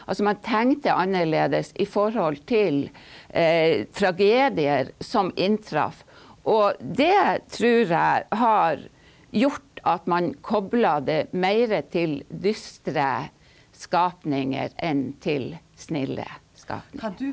altså man tenkte annerledes i forhold til tragedier som inntraff, og det tror jeg har gjort at man kobla det mere til dystre skapninger enn til snille skapninger.